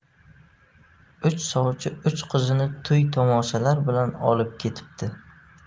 uch sovchi uch qizini to'y tomoshalar bilan olib ketibdi